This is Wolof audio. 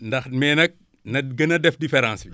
ndax mais nag na gën a def différence bi